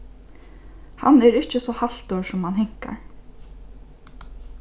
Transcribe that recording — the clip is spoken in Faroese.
hann er ikki so haltur sum hann hinkar